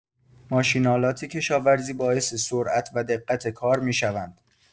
ماشین‌آلات کشاورزی باعث سرعت و دقت کار می‌شوند.